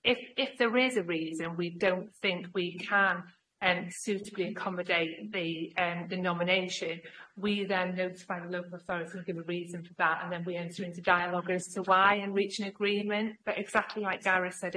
If if there is a reason we don't think we can yym suitably commodate the and the nomination we then notify the local authorities and give a reason for that and then we enter into dialogue as to why and reach an agreement but exactly like Gareth said